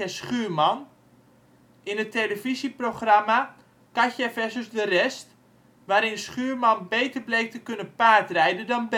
Schuurman in het televisieprogramma Katja vs. De rest, waarin Schuurman beter bleek te kunnen paardrijden dan